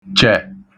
chẹ̀